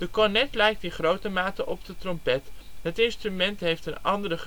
cornet lijkt in grote mate op de trompet. Het instrument heeft een andere geschiedenis